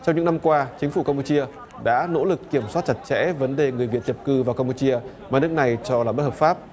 trong những năm qua chính phủ cam pu chia đã nỗ lực kiểm soát chặt chẽ vấn đề người việt nhập cư vào cam pu chia mà nước này cho là bất hợp phá